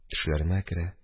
Төшләремә керә